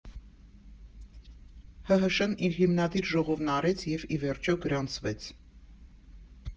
ՀՀՇ֊ն իր հիմնադիր ժողովն արեց և ի վերջո գրանցվեց։